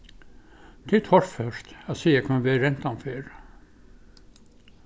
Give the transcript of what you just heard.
tað er torført at siga hvønn veg rentan fer